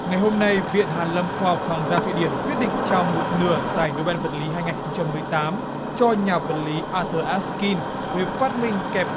ngày hôm nay viện hàn lâm khoa học hoàng gia thụy điển quyết định cho một nửa giải nô ben vật lý hai nghìn không trăm mười tám cho nhà vật lý a thừa át kin với phát minh kẹp